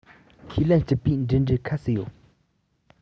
ཁས ལེན སྤྱི པའི འགྲིམ འགྲུལ ཁ གསབ ཡོད